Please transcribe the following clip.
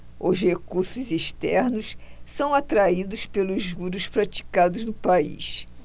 os recursos externos são atraídos pelos juros praticados no país